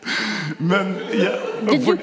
men jeg og.